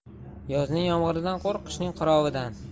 yozning yomg'iridan qo'rq qishning qirovidan